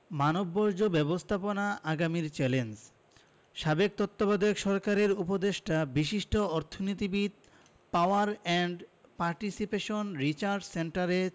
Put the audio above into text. মানববর্জ্য ব্যবস্থাপনা আগামীর চ্যালেঞ্জ সাবেক তত্ত্বাবধায়ক সরকারের উপদেষ্টা বিশিষ্ট অর্থনীতিবিদ পাওয়ার অ্যান্ড পার্টিসিপেশন রিসার্চ সেন্টারের